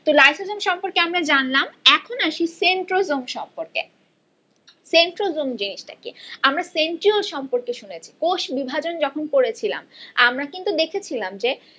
তো লাইসোজোম সম্পর্কে আমরা জানলাম এখন আসি সেন্ট্রোজোম সম্পর্কে সেন্ট্রোজোম জিনিসটা কি সেন্ট্রিওল সম্পর্কে শুনেছি কোষ বিভাজন যখন পড়েছিলাম আমরা কিন্তু দেখেছিলাম যে